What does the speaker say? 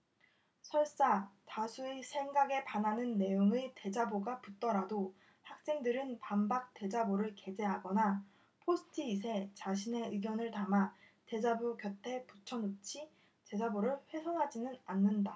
설사 다수의 생각에 반하는 내용의 대자보가 붙더라도 학생들은 반박 대자보를 게재하거나 포스트잇에 자신의 의견을 담아 대자보 곁에 붙여놓지 대자보를 훼손하지는 않는다